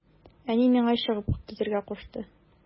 Әни миңа чыгып китәргә кушты.